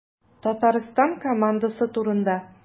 Татарстан командасы турында.